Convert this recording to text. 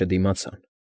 Չդիմացան։